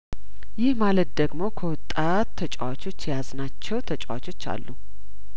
ይህ ማለት ደግሞ ከወጣት ተጨዋቾች የያዝ ናቸው ተጨዋቾች አሉ